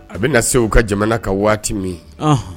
A bɛ na se u ka jamana ka waati min